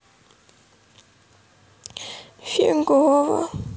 фигово